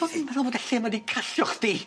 Ro'n i'n meddwl bod y lle 'ma 'di callio chdi.